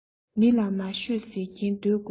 མི ལ མ ཤོད ཟེར གྱིན སྡོད དགོས ཡོང